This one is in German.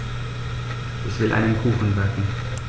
Ich will einen Kuchen backen.